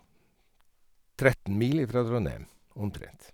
Tretten mil ifra Trondheim, omtrent.